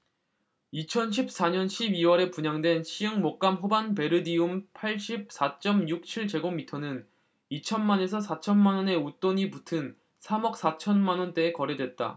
이천 십 사 년 십 이 월에 분양된 시흥목감호반베르디움 팔십 사 쩜 육 칠 제곱미터는 이천 만 에서 사천 만원의 웃돈이 붙은 삼 억 사천 만원대에 거래됐다